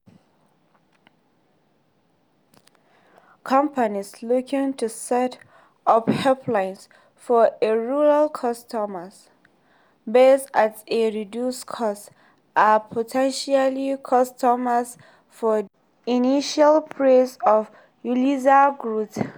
Companies looking to set up helplines for a rural customer base at a reduced cost are potential customers for the initial phase of Uliza’s growth.